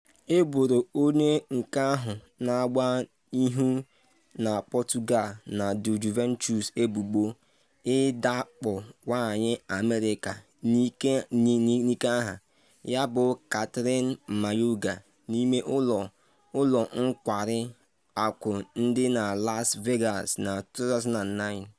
Eboro onye nke ahụ na-agba ihu na Portugal na Juventus ebubo idakpo nwanyị America n’ike aha ya bụ Kathryn Mayorga, n’ime ụlọ ụlọ nkwari akụ dị na Las Vegas, na 2009.